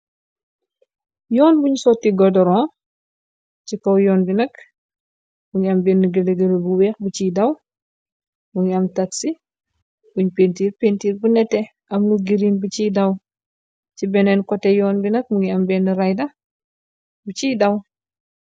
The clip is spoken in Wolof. Yoon bu soti godonru, ci kaw yoon bi nak, mungi bena gele bu ci daaw, mungi am taxi bu penturr bu nete am lu green bu ci daaw, benne koteh yoon bi nak bena rider, bu ci daaw.